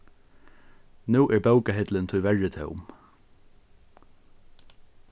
nú er bókahillin tíverri tóm